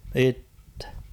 itse